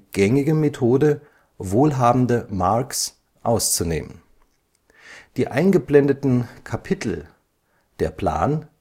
gängige Methode, wohlhabende „ Marks “auszunehmen. Die eingeblendeten „ Kapitel “Der Plan